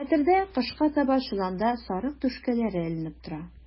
Хәтердә, кышка таба чоланда сарык түшкәләре эленеп тора.